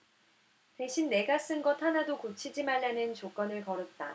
대신 내가 쓴 것 하나도 고치지 말라는 조건을 걸었다